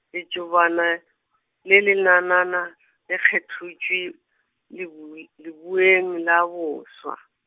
letšobana, le lenanana, le kgothotše, lebue-, leubeng la boswa.